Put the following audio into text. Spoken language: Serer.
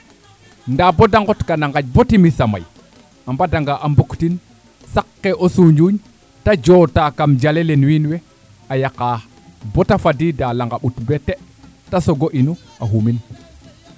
nda bata ŋot kan a ŋaƴ bo timisa may a mbada nga a mbuk tin saqe o sunjuun te joota kam jale le wiin we a yaqa bota fadiida laŋa ɓut be te te soogo unu xa xumin